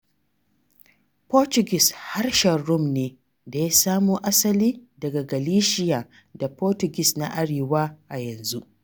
Portuguese harshen Rum ne da ya samo asali daga Galicia da Portuguese na arewa a yanzu.